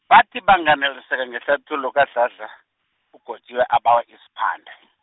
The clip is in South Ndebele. bathi banganeliseka ngehlathululo kaDladla, uGotjiwe abawe isiphande.